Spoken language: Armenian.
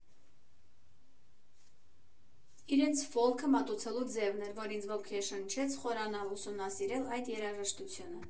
Իրենց ֆոլքը մատուցելու ձևն էր, որ ինձ ոգեշնչեց խորանալ, ուսումնասիրել այդ երաժշտությունը»։